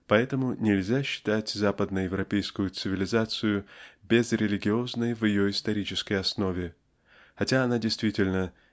Поэтому нельзя считать западноевропейскую цивилизацию безрелигиозной в ее исторической основе хотя она действительно